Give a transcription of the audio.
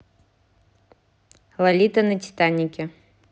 лолита на титанике